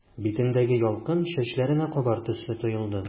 Битендәге ялкын чәчләренә кабар төсле тоелды.